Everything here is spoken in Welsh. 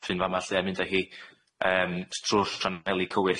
fa'ma lly yn mynd â hi yym trw'r shaneli cywir